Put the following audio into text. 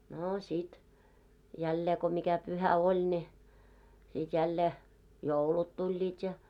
no sitten jälleen kun mikä pyhä oli ne sitten jälleen joulut tulivat ja